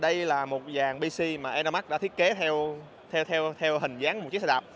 đây là dàn pc mà enermax đã thiết kế theo hình dáng chiếc xe đạp